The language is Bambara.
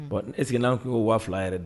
Bon est ce que nan kun yo 2000 yɛrɛ